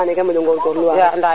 mais yaqane ka i moƴo ngorngolu wa